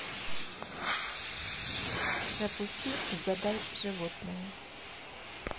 запусти угадай животное